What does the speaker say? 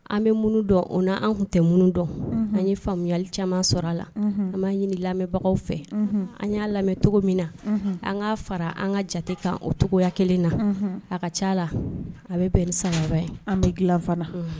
An bɛ minnu dɔn o' an tun tɛ minnu dɔn an ye faamuyayali caman sɔrɔ a la an b'a ɲini lamɛnbagaw fɛ an y'a lamɛn cogo min na an k'a fara an ka jate kan ocogoya kelen na a ka ca la a bɛ beresa an dilanfa